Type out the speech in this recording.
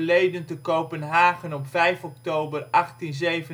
1787 - Kopenhagen, 5 oktober 1867